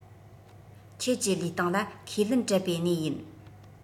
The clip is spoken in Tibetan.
ཁྱེད ཀྱི ལུས སྟེང ལ ཁས ལེན འབྲད བའི གནས ཡིན